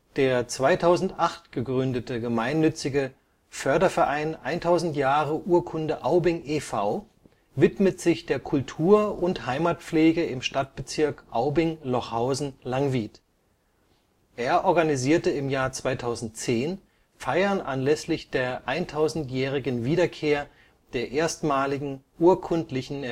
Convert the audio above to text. Der 2008 gegründete gemeinnützige Förderverein 1000 Jahre Urkunde Aubing e. V. widmet sich der Kultur - und Heimatpflege im Stadtbezirk Aubing-Lochhausen-Langwied. Er organisierte 2010 Feiern anlässlich der 1000-jährigen Wiederkehr der erstmaligen urkundlichen